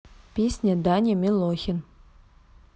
песня даня милохин